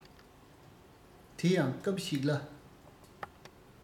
དེ ཡང སྐབས ཤིག ལ